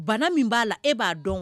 Bana min b'a la e b'a dɔn